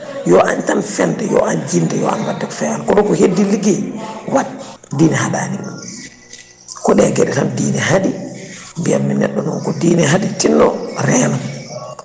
yo añ tan fende yo añ jinde yo añ wadde ko fewani kono ko heddi ko ligguey wat diine haɗanima koɗe gueɗe tan diine haaɗi mbiyanmi neɗɗo noon ko diine haaɗi tinno reeno